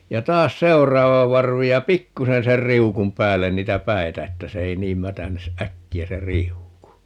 ja taas seuraava varvi ja pikkuisen sen riu'un päälle niitä päitä että se ei niin mätänisi äkkiä se riuku